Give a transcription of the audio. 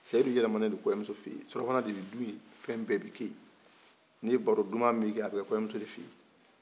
seyidu yɛlɛmalen do kɔɲɔmusofe in sura fana de bɛ dun yen fɛn bɛ bi k'ɛ yen ni baro duman min bɛ kɛ a bi kɛ kɔɲɔ muso de fɛ yen